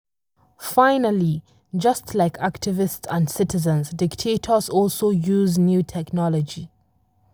Finally, just like activists and citizens, dictators also use new technology.